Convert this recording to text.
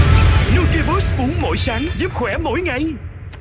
nu tri bút uống mỗi sáng giúp khỏe mỗi ngày